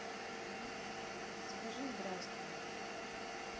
скажи здравствуй